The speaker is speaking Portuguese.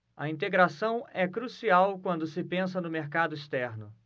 a integração é crucial quando se pensa no mercado externo